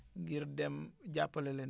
ngir dem jàppale leen